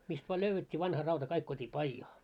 mistä vain löydettiin vanha rauta kaikki tuotiin pajaan